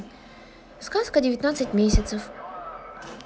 сказка двенадцать месяцев